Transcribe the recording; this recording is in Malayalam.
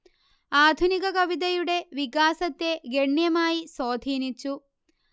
ആധുനിക കവിതയുടെ വികാസത്തെ ഗണ്യമായി സ്വാധീനിച്ചു